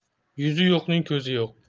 yuzi yo'qning ko'zi yo'q